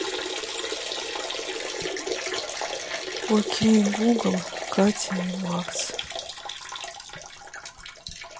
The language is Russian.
окей гугл катя и макс